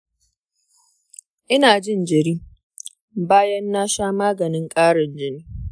ina jin jiri bayan na sha maganin ƙarin jini.